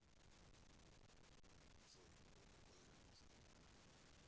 джой что такое ряпушка